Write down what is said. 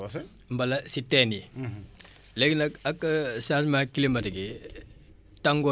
léegi nag ak changement climatique yi tàngoor bi ni muy yokkee